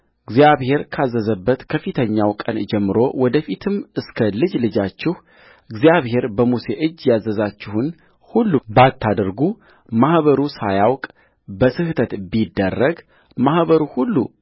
እግዚአብሔር ካዘዘበት ከፊተኛው ቀን ጀምሮ ወደ ፊትም እስከ ልጅ ልጃችሁ እግዚአብሔር በሙሴ እጅ ያዘዛችሁን ሁሉ ባታደርጉማኅበሩ ሳያውቁ በስሕተት ቢደረግ ማኅበሩ ሁሉ